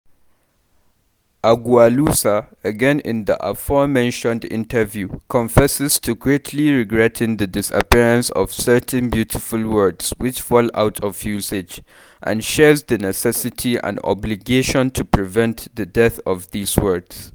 Agualusa, again in the afore-mentioned interview, confesses to “greatly regretting the disappearance of certain beautiful words which fall out of usage” and shares the necessity and “obligation to prevent the death of these words”.